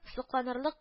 Сокланырлык